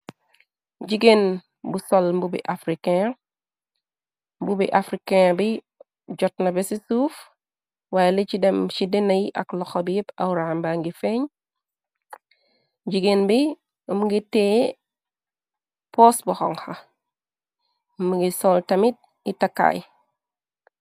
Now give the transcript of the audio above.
Jigéen bu sol mbubi africain mbubi afrikain bi jotna be ci suuf wayle ci dem ci deney ak loxo biepp awraamba ngi feeñ jigéen bi mungi tee pos bu xonka mungi sol tamit itakaay.